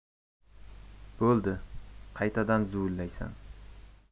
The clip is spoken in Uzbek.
bo'ldi qaytadan zuvlaysan